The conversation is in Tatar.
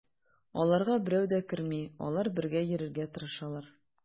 Аларга берәү дә керми, алар бергә йөрергә тырышалар.